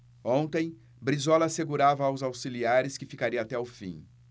ontem brizola assegurava aos auxiliares que ficaria até o fim